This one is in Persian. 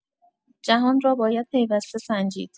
جهان را باید پیوسته سنجید.